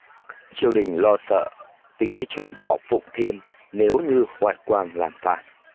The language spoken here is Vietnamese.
triều đình lo sợ tính tới chuyện bỏ phụng thiên nếu như hoài quang làm phản